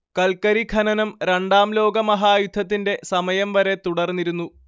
കൽക്കരി ഖനനം രണ്ടാം ലോകമഹായുദ്ധത്തിന്റെ സമയം വരെ തുടർന്നിരുന്നു